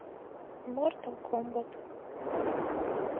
в мортал комбат